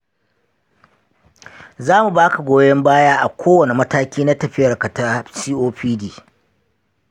za mu ba ka goyon baya a kowane mataki na tafiyar ka ta copd.